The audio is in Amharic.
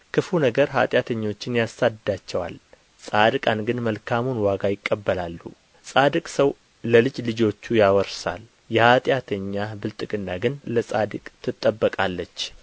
ክፉ ነገር ኃጢአተኞችን ያሳድዳቸዋል ጻድቃን ግን መልካሙን ዋጋ ይቀበላሉ ጻድቅ ሰው ለልጅ ልጆቹ ያወርሳል የኃጢአተኛ ብልጥግና ግን ለጻድቅ ትጠበቃለች